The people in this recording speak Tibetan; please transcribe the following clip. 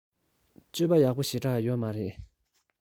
སྤྱོད པ ཡག པོ ཞེ དྲགས ཡོད མ རེད